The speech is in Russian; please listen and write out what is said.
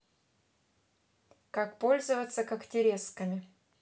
как пользоваться когтерезками